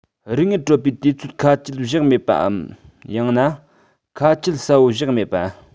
རིན དངུལ སྤྲོད པའི དུས ཚོད ཁ ཆད བཞག མེད པའམ ཡང ན ཁ ཆད གསལ པོ བཞག མེད པ